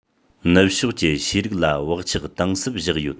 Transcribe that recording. ནུབ ཕྱོགས ཀྱི ཤེས རིག ལ བག ཆགས གཏིང ཟབ བཞག ཡོད